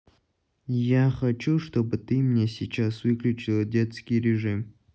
я хочу чтобы ты мне сейчас выключила детский режим